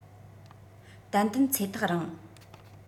ཏན ཏན ཚེ ཐག རིང